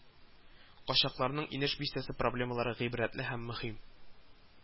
Качакларның Инеш бистәсе проблемалары гыйбрәтле һәм мөһим